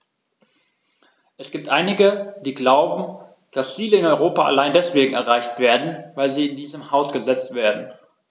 Es gibt einige, die glauben, dass Ziele in Europa allein deswegen erreicht werden, weil sie in diesem Haus gesetzt werden.